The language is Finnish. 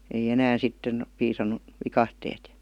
ei enää sitten piisannut viikatteet